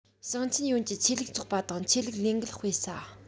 ཞིང ཆེན ཡོངས ཀྱི ཆོས ལུགས ཚོགས པ དང ཆོས ལུགས ལས འགུལ སྤེལ ས